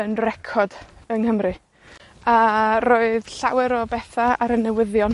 yn recod yng Nghymru, a roedd llawer o betha ar y newyddion.